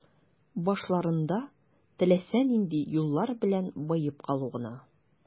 Башларында теләсә нинди юллар белән баеп калу гына.